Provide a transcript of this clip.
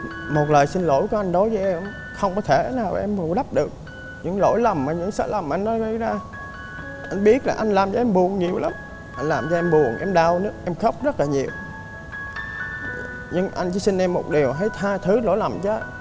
một lời xin lỗi của anh đối với em không có thể nào anh bù đắp được những lỗi lầm và những sai lầm anh đã gây ra anh biết là anh làm cho em buồn nhiều lắm anh làm cho em buồn em đau em khóc rất là nhiều nhưng anh chỉ xin em một điều hãy tha thứ lỗi lầm cho